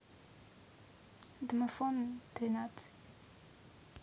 домофон тринадцать